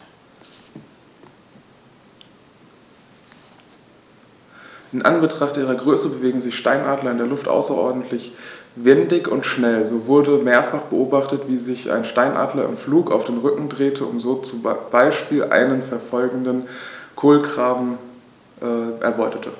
In Anbetracht ihrer Größe bewegen sich Steinadler in der Luft außerordentlich wendig und schnell, so wurde mehrfach beobachtet, wie sich ein Steinadler im Flug auf den Rücken drehte und so zum Beispiel einen verfolgenden Kolkraben erbeutete.